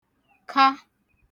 -ka